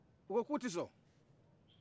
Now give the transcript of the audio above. u ko k'u tɛ sɔn